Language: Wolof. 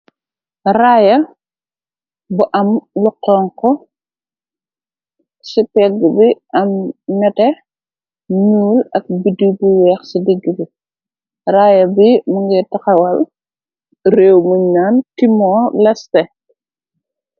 Raaya bu am lu xonxu, ci pegg bi am nete, ñuul ak biddiw bu weex ci digg bi, raaya bi mu ngay taxawal réew muñ naan Timoo Leste.